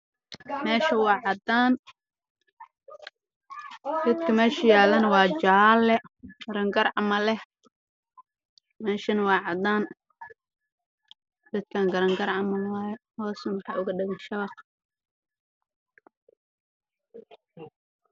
Waa faraanti midabkiisu yahay dahabi